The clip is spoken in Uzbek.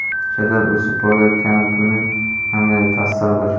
jadal o'sib borayotgani buning amaliy tasdig'idir